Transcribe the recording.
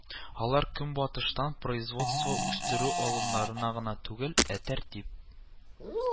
Алар Көнбатыштан производство үстерү алымнарына гына түгел, ә тәртип